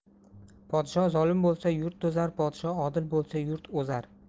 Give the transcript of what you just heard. podsho zolim bo'lsa yurt to'zar podsho odil bo'lsa yurt o'zar